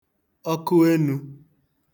ọkụenù